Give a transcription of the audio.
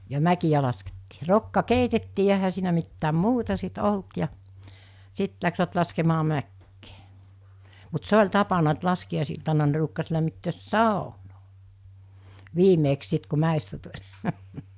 ja mäkiä laskettiin rokka keitettiin ja eihän siinä mitään muuta sitten ollut ja sitten lähtivät laskemaan mäkeä mutta se oli tapana että laskiaisiltana ne ruukasi lämmittää saunaa viimeksi sitten kun mäestä tuli